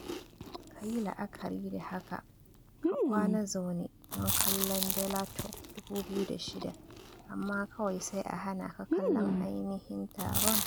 Ka yi la'akari da haka, ka kwana zaune don kallon Bellator 206 amma kawai sai a hana ka kallon ainihin taron.